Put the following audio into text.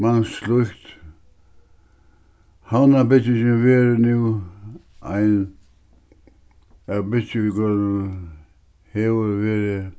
mangt slíkt havnarbyggingin verður nú ein av byggigølunum hevur verið